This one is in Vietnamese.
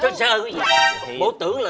sơ sơ cái gì bộ tưởng